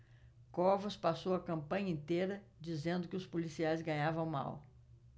covas passou a campanha inteira dizendo que os policiais ganhavam mal